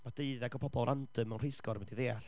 Ma' deuddeg o bobl random mewn rheithgor yn mynd i ddeall.